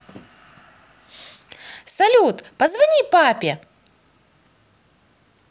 салют позвони папе